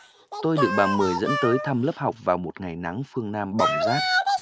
tôi được bà mười dẫn tới thăm lớp học vào một ngày nắng phương nam bỏng rát